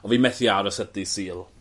On' fi methu aros at dydd Sul.